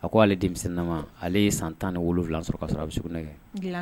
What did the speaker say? A ko ale denmisɛnninma ale ye san tan ni wolo wolonwula sɔrɔ k'a sɔrɔ a bɛ ne